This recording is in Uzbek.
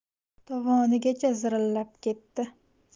tovonigacha zirillab ketdi